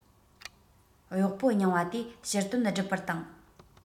གཡོག པོ རྙིང པ དེ ཕྱིར དོན སྒྲུབ པར བཏང